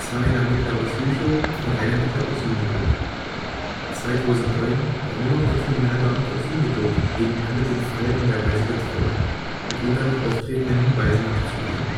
ein Ermittler aus Lüchow und ein Ermittler aus Lüneburg. 2009 war nur noch der Kriminalbeamte aus Lüneburg nebenher mit dem Fall in der Weise betraut, mitunter noch auftretenden Hinweisen nachzugehen